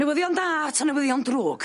Newyddion da ta newyddion drwg?